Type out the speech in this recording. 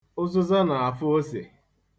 Ụzụza na-afụ ose.